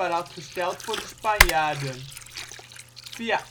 had gesteld voor de Spanjaarden. Via